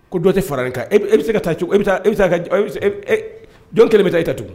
Ko dɔ tɛ farain kan e bɛ se ka taa cogo bɛ jɔn kelen bɛ e ta tugu